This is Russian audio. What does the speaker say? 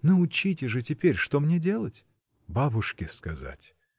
Научите же теперь, что мне делать? — Бабушке сказать.